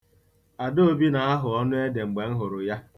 Adaobi na-ahụ ọnụ ede mgbe m hụrụ ya.